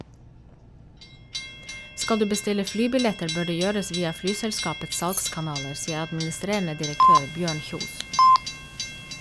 Skal du bestille flybilletter bør det gjøres via flyselskapets salgskanaler, sier administrerende direktør Bjørn Kjos.